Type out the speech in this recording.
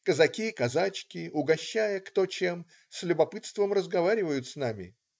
Казаки, казачки, угощая кто чем, с любопытством разговаривают с нами.